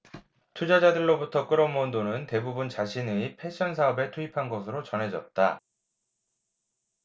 투자자들로부터 끌어모은 돈은 대부분 자신의 패션사업에 투입한 것으로 전해졌다